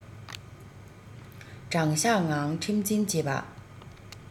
དྲང གཞག ངང ཁྲིམས འཛིན བྱེད པ